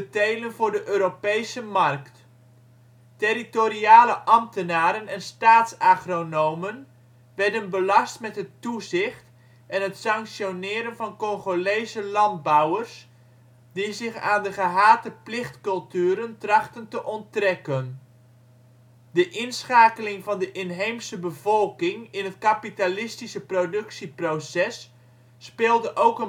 telen voor de Europese markt. Territoriale ambtenaren en staats-agronomen werden belast met het toezicht en het sanctioneren van Congolese landbouwers die zich aan de gehate plicht-culturen trachtten te onttrekken. De inschakeling van de inheemse bevolking in het kapitalistische productieproces speelde ook